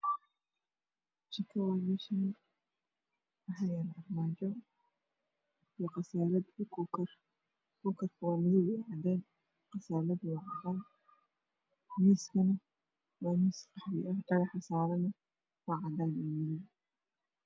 Jiko waaye meshaan waxaa yaalo armaajo iyo qasaalad iyo kuukar kuukarka waa madoow qasaalada waa cadaan miiskana waa miis qaxwi ah daaha saarana waa cadaan iyo madoow